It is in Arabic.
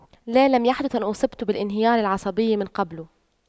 لا لم يحدث ان اصبت بالانهيار العصبي من قبل